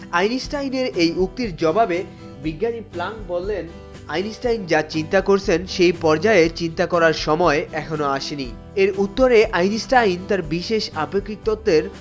আইনস্টাইনের এই উক্তির জবাবে বিজ্ঞানী ক্লান বললেন আইনস্টাইন যা চিন্তা করছেন সেই পর্যায়ে চিন্তা করার সময় এখনো আসেনি এর উত্তরে আইনস্টাইন তাঁর বিশেষ আপেক্ষিক তত্ত্বের